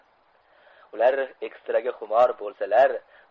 ular ekstraga xumor bo'lsalar